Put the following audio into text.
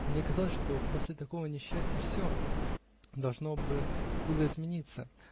Мне казалось, что после такого несчастья все должно бы было измениться